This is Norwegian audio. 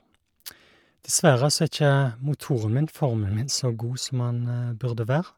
Dessverre så er ikke motoren min, formen min, så god som han burde være.